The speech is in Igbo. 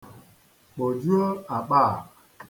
Kpojuo akpa a.